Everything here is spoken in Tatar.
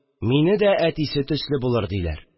Мине дә әтисе төсле булыр диләр